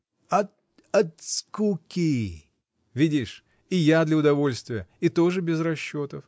— От. от скуки — видишь, и я для удовольствия — и тоже без расчетов.